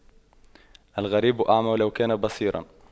الغريب أعمى ولو كان بصيراً